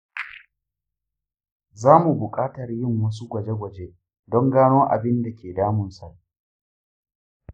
zamu buƙatar yin wasu gwaje-gwaje don gano abin da ke damun sa/ta